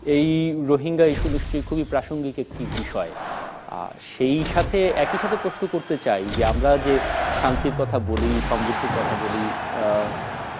এই রোহিঙ্গা ইস্যু নিশ্চয়ই খুব প্রাসঙ্গিক একটি বিষয় সেই সাথে একই সাথে প্রশ্ন করতে চাই আমরা যে শান্তির কথা বলি সমৃদ্ধির কথা বলি